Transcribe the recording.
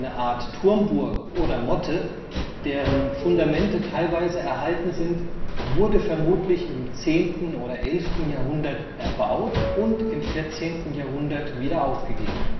Art Turmburg oder Motte, deren Fundamente teilweise erhalten sind, wurde vermutlich im 10. / 11. Jahrhundert erbaut und im 14. Jahrhundert wieder aufgegeben